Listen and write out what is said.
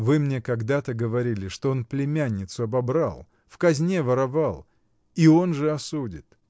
— Вы мне когда-то говорили, что он племянницу обобрал, в казне воровал, — и он же осудит.